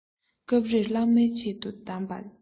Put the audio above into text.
སྐབས རེར བླ མས ཆེད དུ གདམས པ འདྲ